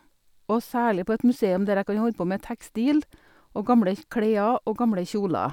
Og særlig på et museum der jeg kan holde på med tekstil og gamle kj klær og gamle kjoler.